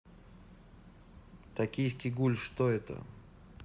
токийский гуль что это